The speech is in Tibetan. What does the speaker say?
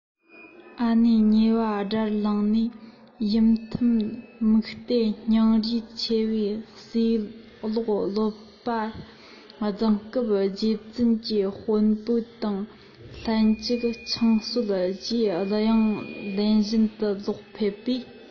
ཨ ནེའི ཉེ བ དགྲར ལངས ནས ཡུམ ཐུགས མུག སྟེ སྙིང རུས ཆེ བའི སྲས ཀློག སློབ པར བརྫངས སྐབས རྗེ བཙུན གྱིས སློབ དཔོན དང ལྷན ཅིག ཆང གསོལ རྗེས གླུ དབྱངས ལེན བཞིན དུ ལོག ཕེབས པས